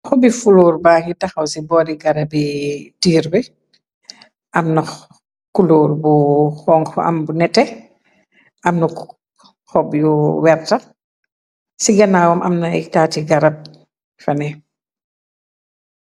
Xobi fuluur baaki taxaw ci boori garab yi tiirbe amna kulóur bu xonk ambu nete amn xob yu wertax ci ganaawam amnay taati garab fane.